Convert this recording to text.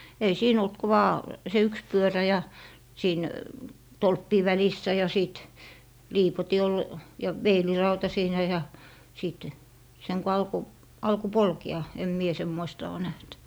ei siinä ollut kuin vain se yksi pyörä ja siinä tolppien välissä ja sitten liipotin oli ja veilirauta siinä ja sitten sen kun alkoi alkoi polkea en minä semmoista ole nähnyt